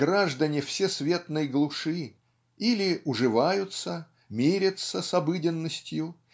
граждане всесветной глуши или уживаются мирятся с обыденностью